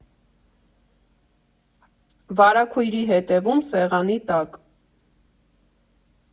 Վարագույրի հետևում, սեղանի տակ…